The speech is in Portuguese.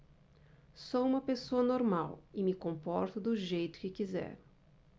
sou homossexual e me comporto do jeito que quiser